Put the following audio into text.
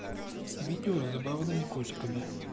видео с забавными котиками